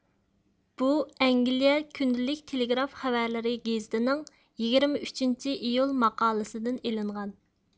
بۇ ئەنگلىيە كۈندىلىك تېلېگراف خەۋەرلىرى گېزىتىنىڭ يىگىرمە ئۈچىنچى ئىيۇل ماقالىسىدىن ئېلىنغان